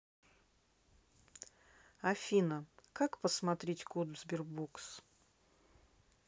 афина как посмотреть код sberbox